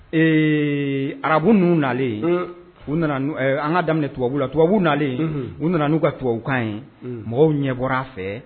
Ee arabu ninnu nalen, unh, u nana an ka daminɛ tubabu la. Tubabuw nalen, unhun, nana n'u ka tubabukan ye, unh, mɔgɔw ɲɛ bɔra a fɛ